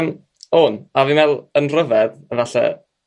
yym on a fi'n meddwl yn ryfedd efalle